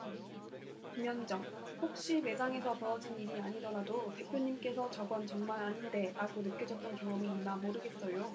김현정 혹시 매장에서 벌어진 일이 아니더라도 대표님께서 저건 정말 아닌데 라고 느껴졌던 경험이 있나 모르겠어요